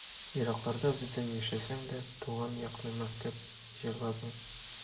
Еракларда бездән яшәсәң дә, Туган якны мактап җырладың.